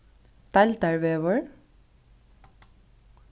deildarvegur